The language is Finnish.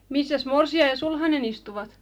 missäs morsian ja sulhanen istuivat